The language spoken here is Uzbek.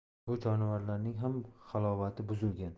bu jonivorlarning ham halovati buzilgan